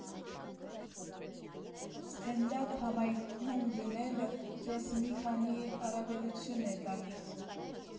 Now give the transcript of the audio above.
Սթենդափ համայնքում լինելը քեզ մի քանի առավելություն է տալիս։